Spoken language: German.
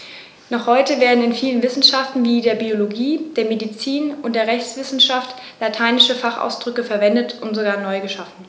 Noch heute werden in vielen Wissenschaften wie der Biologie, der Medizin und der Rechtswissenschaft lateinische Fachausdrücke verwendet und sogar neu geschaffen.